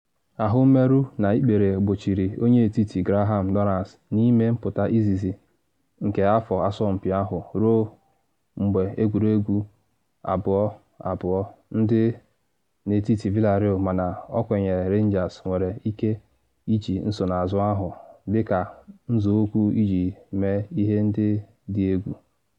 Ahụ mmerụ n’ikpere gbochiri onye etiti Graham Dorrans n’ime mpụta izizi nke afọ asọmpi ahụ ruo mgbe egwuregwu 2-2 dị n’etiti Villareal mana ọ kwenyere Rangers nwere ike iji nsonaazụ ahụ dị ka nzọụkwụ iji mee ihe ndị dị egwu.